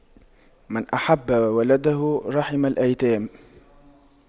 من أحب ولده رحم الأيتام